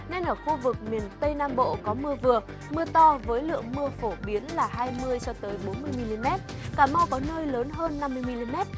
nên ở khu vực miền tây nam bộ có mưa vừa mưa to với lượng mưa phổ biến là hai mươi cho tới bốn mươi mi li mét cà mau có nơi lớn hơn năm mươi mi li mét